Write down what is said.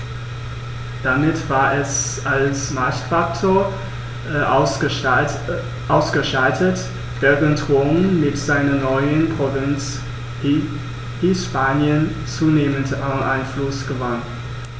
Damit war es als Machtfaktor ausgeschaltet, während Rom mit seiner neuen Provinz Hispanien zunehmend an Einfluss gewann.